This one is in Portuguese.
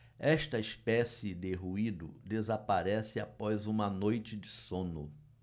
esta espécie de ruído desaparece após uma noite de sono